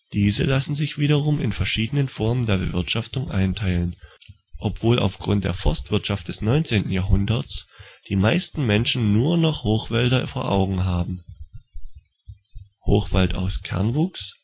Diese lassen sich wiederum in verschieden Formen der Bewirtschaftung einteilen, obwohl, aufgrund der Forstwirtschaft des 19. Jahrhunderts, die meisten Menschen nur noch Hochwälder vor Augen haben: Hochwald aus Kernwuchs